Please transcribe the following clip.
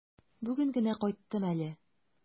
Бүген генә кайттым әле.